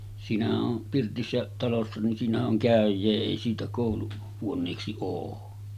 siinähän on pirtissä talossa niin siinähän on käyjää ei siitä - kouluhuoneeksi ole